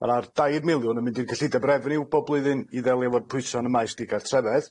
Ma' na'r dair miliwn yn mynd i'r gyllideb refeniw bob blwyddyn i ddelio efo'r pwyso yn y maes digartrefedd.